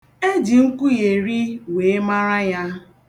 E ji nkwugheri wee mara ya.